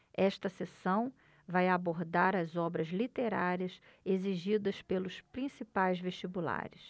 esta seção vai abordar as obras literárias exigidas pelos principais vestibulares